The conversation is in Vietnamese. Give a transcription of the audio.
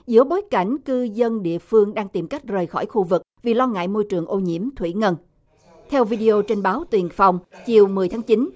giữa bối cảnh cư dân địa phương đang tìm cách rời khỏi khu vực vì lo ngại môi trường ô nhiễm thủy ngân theo vi đi ô trên báo tiền phong chiều mười tháng chín